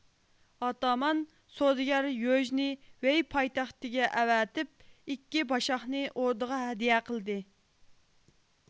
ئاتامان سودىگەر يۆجنى ۋېي پايتەختىگە ئەۋەتىپ ئىككى باشاقنى ئوردىغا ھەدىيە قىلدى